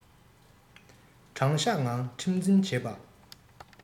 དྲང གཞག ངང ཁྲིམས འཛིན བྱེད པ